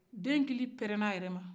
den kili pɛrɛnn'a yɛrɛ ma